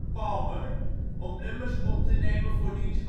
Palmer om nummers op te nemen voor diens